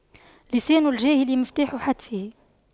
لسان الجاهل مفتاح حتفه